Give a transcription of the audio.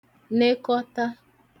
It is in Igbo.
nekọta